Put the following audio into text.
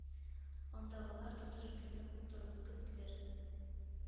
Андагылар Тотыш бинең утыруын көттеләр